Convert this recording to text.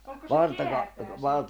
oliko se kääpää se